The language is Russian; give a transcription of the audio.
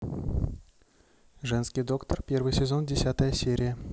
женский доктор первый сезон десятая серия